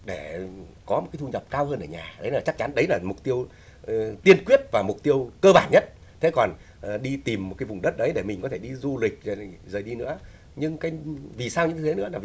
để có một cái thu nhập cao hơn ở nhà đấy là chắc chắn đấy là mục tiêu tiên quyết và mục tiêu cơ bản nhất thế còn đi tìm một cái vùng đất ấy để mình có thể đi du lịch rồi rồi đi nữa nhưng cái vì sao như thế nữa đó